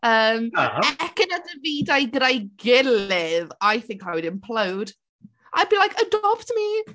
Yym... no! ...Ekin and Davide gyda'i gilydd. I think I would implode. I'd be like "Adopt me"!